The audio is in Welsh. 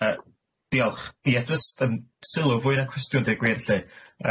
Yy diolch. Ie jyst yn sylw fwy na cwestiwn deu' gwir lly. Yym.